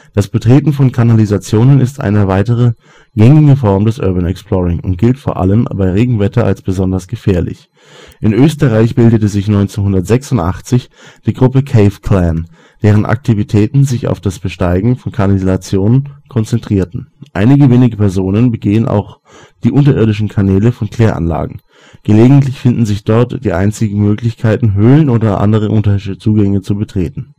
Das Betreten von Kanalisationen ist eine weitere gängige Form des Urban Exploring und gilt, vor allem bei Regenwetter, als besonders gefährlich. In Österreich bildete sich 1986 die Gruppe Cave Clan deren Aktivitäten sich auf das Besteigen von Kanalisationen konzentrieren. Einige wenige Personen begehen auch die unterirdischen Kanäle von Kläranlagen. Gelegentlich finden sich dort die einzigen Möglichkeiten Höhlen oder andere unterirdische Zugänge zu betreten